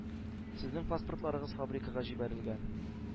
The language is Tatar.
Сезнең паспортларыгыз фабрикага җибәрелгән.